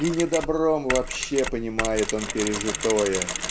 и не добром вообще поминает он пережитое